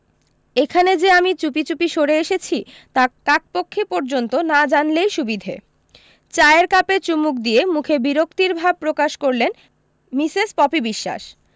এখানে যে আমি চুপি চুপি সরে এসেছি তা কাকপক্ষী পর্য্যন্ত না জানলই সুবিধে চায়ের কাপে চুমুক দিয়ে মুখে বিরক্তির ভাব প্রকাশ করলেন মিসেস পপি বিশোয়াস